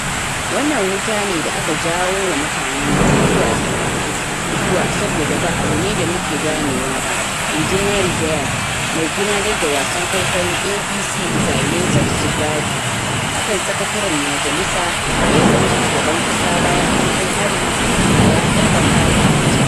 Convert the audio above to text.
“Wannan wuta ne da ake jawo mutane zuwa saboda ba abu ne da muke ganewa ba,” inji Neal Baer, mai gudanar da wasan kwaikwayon ABC “Designated Survivor”, akan sakataren majalisa da ya zama shugaban kasa bayan an kai hari da ya hallaka Capitol.